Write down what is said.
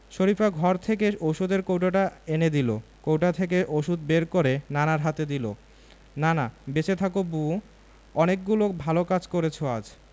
শরিফা ঘর থেকে ঔষধের কৌটোটা এনে দিল কৌটা থেকে ঔষধ বের করে নানার হাতে দিল নানা বেঁচে থাকো বুবু অনেকগুলো ভালো কাজ করেছ আজ